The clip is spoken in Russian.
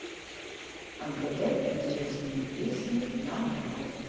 отгадай интересные песни наоборот